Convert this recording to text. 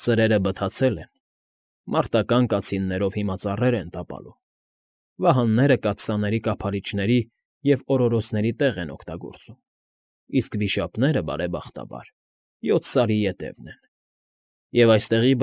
Սրերը բթացել են, մարտական կացիններով հիմա ծառեր են տապալում, վահանները կաթսաների կափարիչների և օրորոցների տեղ են օգտագործում, իսկ վիշապները, բարեբախտաբար, յոթ սարի ետևն են, և այստեղի։